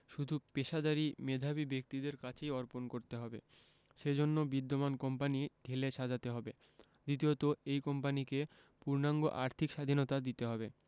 শুধু পেশাদারি মেধাবী ব্যক্তিদের কাছেই অর্পণ করতে হবে সে জন্য বিদ্যমান কোম্পানি ঢেলে সাজাতে হবে দ্বিতীয়ত এই কোম্পানিকে পূর্ণাঙ্গ আর্থিক স্বাধীনতা দিতে হবে